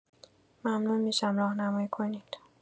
ممنون می‌شم راهنمایی کنید.